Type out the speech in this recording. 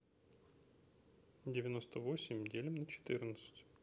девяносто восемь делим на четырнадцать